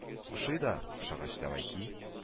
Ошый да... – Ошагач, давай ки